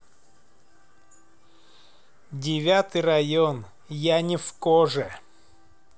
девятый район я не в коже